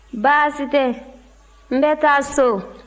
baasi tɛ n bɛ taa so